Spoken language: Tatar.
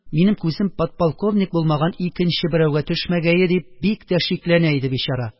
Минем күзем подполковник булмаган икенче берәүгә төшмәгәе дип, бик тә шикләнә иде, бичара